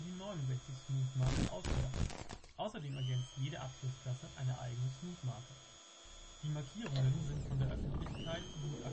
69 Smoot Marke ausgelassen. Außerdem ergeänzt jede Abschlussklasse eine eigene Smoot-Marke. Die Makierungen sind von der Öffentlichkeit gut akzeptiert